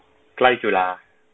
ใกล้จุฬา